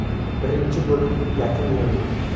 birinchi bo'lim yakunlandi